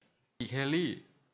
กี่แคลอรี่